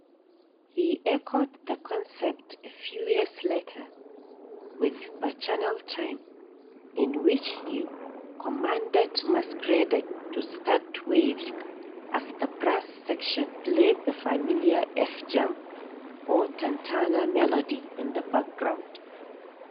He echoed the concept a few years later with "Bacchanal Time", in which he commanded masqueraders to "start to wave" as the brass section played the familiar "F-jam" or "tantana" melody in the background.